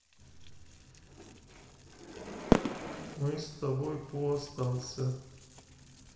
мы с тобой по остался